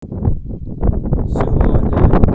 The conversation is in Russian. село алеево